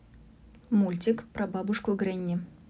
мультик про бабушку гренни